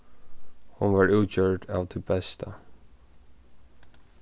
hon var útgjørd av tí besta